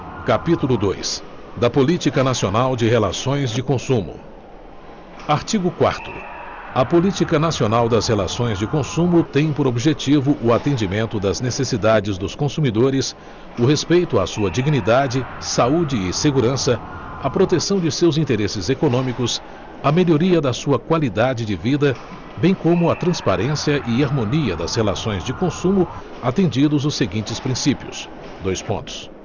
capítulo dois da política nacional de relações de consumo artigo quarto a política nacional das relações de consumo tem por objetivo o atendimento das necessidades dos consumidores o respeito à sua dignidade saúde e segurança a proteção de seus interesses econômicos a melhoria da sua qualidade de vida bem como a transparência e harmonia das relações de consumo atendidos os seguintes princípios dois pontos